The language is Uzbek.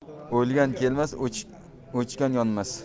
o'lgan kelmas o'chgan yonmas